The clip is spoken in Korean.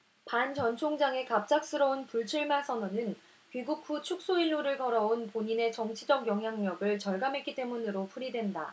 반 전총장의 갑작스러운 불출마선언은 귀국 후 축소일로를 걸어 온 본인의 정치적 영향력을 절감했기 때문으로 풀이된다